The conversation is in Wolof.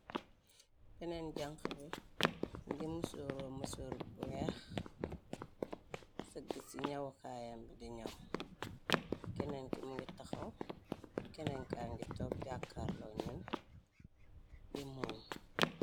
Benen janx bi, mingi musoro musor bu weex, sëgg ci ñawu kaayam bi di ñaw, kenenki mu ngi taxaw, kenenka ngi tog jàakaar loo ñoon di muuñ.